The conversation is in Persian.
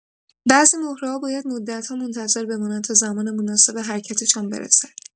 بعضی مهره‌ها باید مدت‌ها منتظر بمانند تا زمان مناسب حرکتشان برسد.